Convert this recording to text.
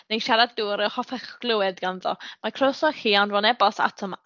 neu siaradwr y hoffech glywed ganddo mae croeso i chi anfon e-bost atom